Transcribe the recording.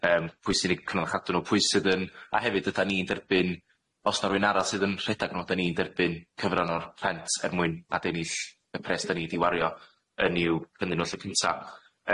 Yym pwy sy'n i chynnal a chadw nhw, pwy sydd yn a hefyd ydan ni'n derbyn os na rywun arall sydd yn rhedag n'w ydan ni'n derbyn cyfran o'r rhent er mwyn adenill y pres dyn ni di wario yn i'w pryny nw'n lle cynta.